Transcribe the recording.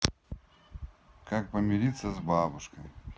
как помириться с бабушкой